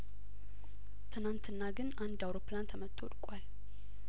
ትላንትና ግን አንድ አውሮፕላን ተመቶ ወድቋል